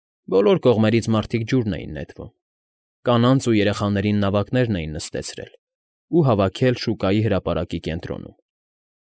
Բոլոր կողմերից մարդիկ ջուրն էին նետվում։ Կանանց ու երեխաներին նավակներ էին նստեցրել ու հավաքել շուկայի հրապարակի կենտրոնում։